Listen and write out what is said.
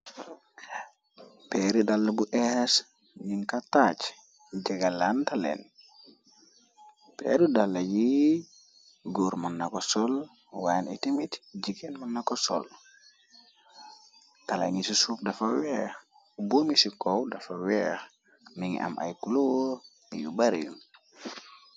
peeru dall bu es ñiñ ku tach jëga lantaleen peeru dala yi góre mën na ko sol wayen etimit jigeen mën na ko soll dala ngi ci suug dafa weex boomi ci kow dafa weex mi ngi am ay culor yu bare